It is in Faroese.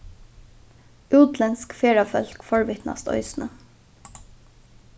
útlendsk ferðafólk forvitnast eisini